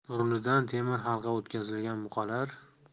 burnidan temir halqa o'tkazilgan buqalar